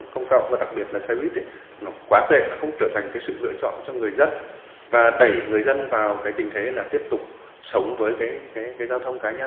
công cộng và đặc biệt là xe buýt ý nó quá tệ nó không trở thành cái sự lựa chọn cho người dân và đẩy người dân vào cái tình thế là tiếp tục sống với cái cái cái giao thông cá nhân